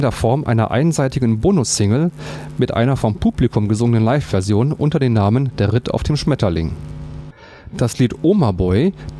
Form einer einseitigen Bonus-Single mit einer vom Publikum gesungenen Live-Version unter dem Namen „ Der Ritt auf dem Schmetterling “Das Lied „ Omaboy “, das 1993